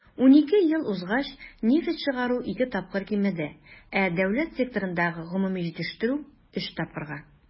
12 ел узгач нефть чыгару ике тапкырга кимеде, ә дәүләт секторындагы гомуми җитештерү - өч тапкырга.